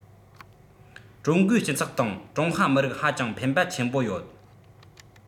ཀྲུང གོའི སྤྱི ཚོགས དང ཀྲུང ཧྭ མི རིགས ཧ ཅང ཕན པ ཆེན པོ ཡོད